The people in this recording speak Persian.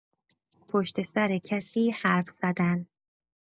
پشت‌سر کسی حرف‌زدن